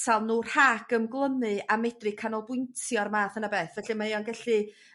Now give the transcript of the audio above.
atal nw rhag ymglymu a medru canolbwyntio ar math yna beth felly mae o'n gallu